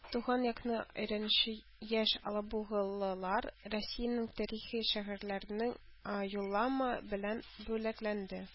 Туган якны өйрәнүче яшь алабугалылар Россиянең тарихи шәһәрләренә юллама белән бүләкләнде